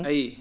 a yiyii